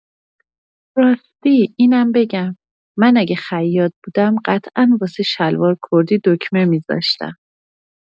راستی اینم بگم من اگر خیاط بودم قطعا واسه شلوار کردی دکمه می‌زاشتم!